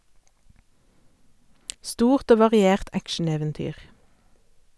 Stort og variert action-eventyr.